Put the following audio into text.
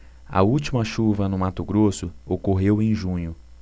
a última chuva no mato grosso ocorreu em junho